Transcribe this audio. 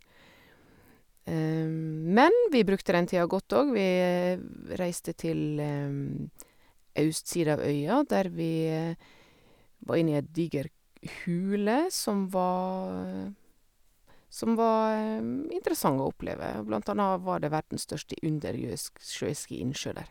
Men vi brukte den tiden godt òg, vi reiste til austsia av øya, der vi var inni en diger hule som var som var interessant å oppleve, blant anna var det verdens største underjøisk sjøiske innsjø der.